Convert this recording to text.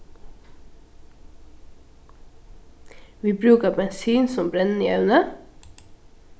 vit brúka bensin sum brennievni